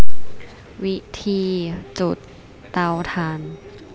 วิธีจุดเตาถ่าน